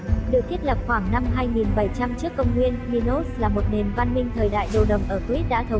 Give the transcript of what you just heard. được thiết lập khoảng năm trước công nguyên minos là một nền văn minh thời đại đồ đồng ở crete đã thống trị